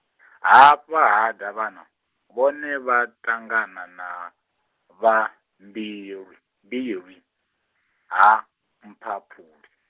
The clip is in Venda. ha vha ha Davhana, vhone vha ṱangana na, vha, Mbilwi, Mbilwi, ha Mphaphuli.